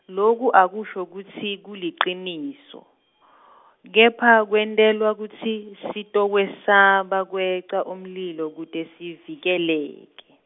loku akusho kutsi kuliciniso , kepha kwentelwa kutsi sitokwesaba kweca umlilo kute sivikeleke.